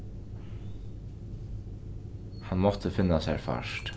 hann mátti finna sær fart